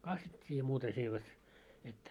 kastettiin ja muuta se ei vet mitään